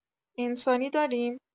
انسانی داریم؟